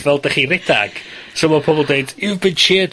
...fel 'dych chi'n redag, so ma' pobol deud you've been cheered